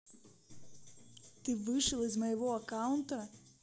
ты вышел из моего аккаунта